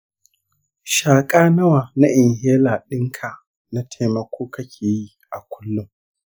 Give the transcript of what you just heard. shaka nawa na inhaler ɗinka na taimako kake yi a kullum?